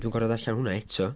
Dwi'n gorfod darllen hwnna eto.